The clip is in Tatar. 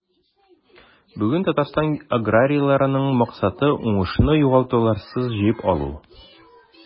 Бүген Татарстан аграрийларының максаты – уңышны югалтуларсыз җыеп алу.